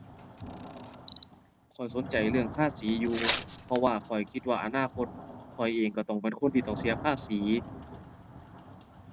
ข้อยสนใจเรื่องภาษีอยู่ เพราะว่าข้อยคิดว่าอนาคต ข้อยเองก็ต้องเป็นคนที่ต้องเสียภาษี